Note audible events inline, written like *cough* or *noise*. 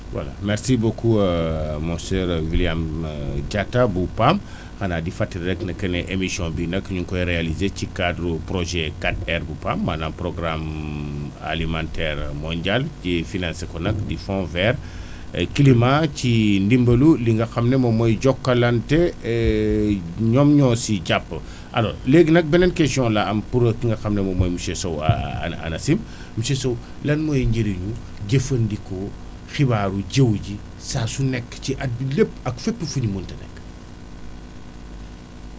voilà merci beaucoup *hesitation* mon cher William *hesitation* Diatta bu PAM xanaa di fàttali rek ne que ne émission bii nag ñu ngi koy réalisé ci cadre projet 4R bu PAM maanaam programme *hesitation* alimentaire mondial kii financé ko nag *noise* di fond vert *breath* climat ci ndimablu li nga xam ne moom mooy Jokalante *hesitation* ñoom ñoo si jàpp *breath* alors léegi nag beneen question laa amù pour ki nga xam ne moom mooy monsieur Sow waa *hesitation* ANA ANACIM *breath* monsieur Sow lan mooy njëriñu jëfandikoo xibaaru jiw ji saa su nekk ci àddina lépp ak fépp fu ñu mënti nekk